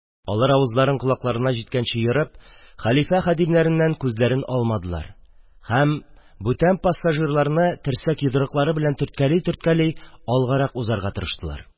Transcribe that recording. Алар авызларын колакларына җиткәнче ерып, хәлифә хәдимнәреннән күзләрен алмадылар һәм бүтән пассажирларны терсәк-йодрыклары белән төрткәли-төрткәли алгарак узарга тырыштылар.